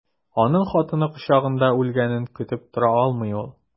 Аның хатыны кочагында үлгәнен көтеп тора алмый ул.